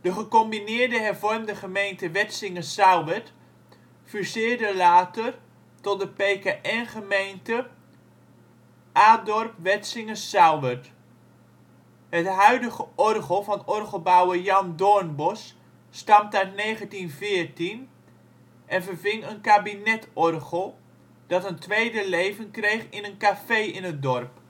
gecombineerde hervormde gemeente Wetsinge-Sauwerd fuseerde later tot de PKN-gemeente Adorp-Wetsinge-Sauwerd. Het huidige orgel van orgelbouwer Jan Doornbos stamt uit 1914 en verving een kabinetorgel, dat een tweede leven kreeg in een café in het dorp